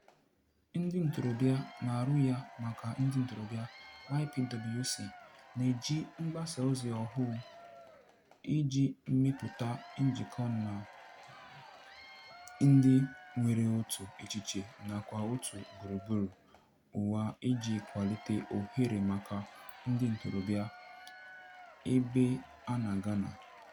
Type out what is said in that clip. Ndị ntorobịa na-arụ ya, maka ndị ntorobịa, YPWC na-eji mgbasaozi ọhụrụ iji mepụta njikọ na ndị nwere otu echiche nakwa òtù gburugburu ụwa iji kwalite ohere maka ndị ntorobịa ebe a na Ghana.